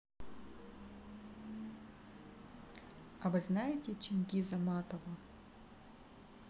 а вы знаете чингиза матова